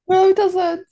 No it doesn't